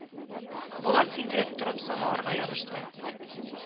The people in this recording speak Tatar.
Булат сикереп торып самавырга ябышты